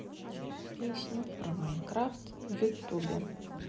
включи песню про майнкрафт в ютубе